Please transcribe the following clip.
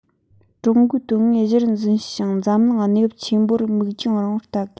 ཀྲུང གོའི དོན དངོས གཞིར འཛིན ཞིང འཛམ གླིང གནས བབ ཆེན པོར མིག རྒྱང རིང པོས བལྟ དགོས